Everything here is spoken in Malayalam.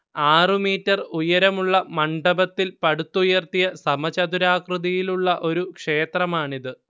ആറുമീറ്റർ ഉയരമുള്ള മണ്ഡപത്തിൽ പടുത്തുയർത്തിയ സമചതുരാകൃതിയിലുള്ള ഒരു ക്ഷേത്രമാണിത്